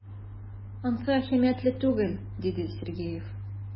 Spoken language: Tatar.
Ансы әһәмиятле түгел,— диде Сергеев.